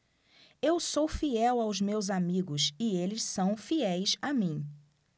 eu sou fiel aos meus amigos e eles são fiéis a mim